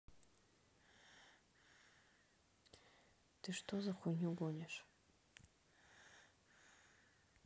ты что за хуйню гонишь